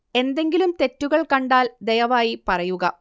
എന്തെങ്കിലും തെറ്റുകൾ കണ്ടാൽ ദയവായി പറയുക